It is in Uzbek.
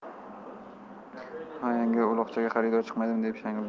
ha yanga uloqchaga xaridor chiqmadimi dedi shang'illab